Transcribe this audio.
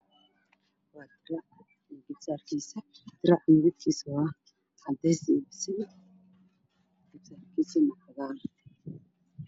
Waa dira iyo garbisaarkiisana diraca midabkiisa waa caddeys iyo basali garbisaarkiisana cagaar